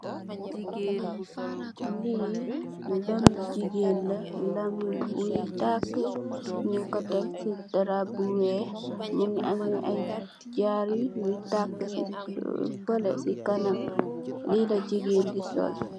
Lee lame jegain la lam buye takeh nugku tek bu darab bu weex muge ameh aye jaaru yuy takeh fale se kanam lela jegain de sol.